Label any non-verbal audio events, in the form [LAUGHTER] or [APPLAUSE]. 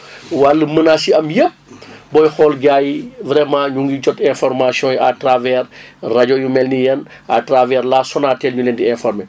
[BREATH] wàllu menaces yi am yëpp [BREATH] booy xool gars yi vraiment ñu ngi jot information yi à travers [BREATH] rajo yu mel ni yéen à travers la Sonatel yi leen di informer